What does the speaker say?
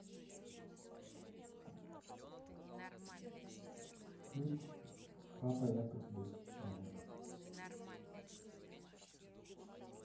клип папа я по тебе скучаю